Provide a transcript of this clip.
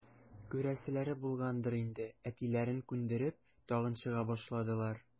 Күрәселәре булгандыр инде, әтиләрен күндереп, тагын чыга башладылар.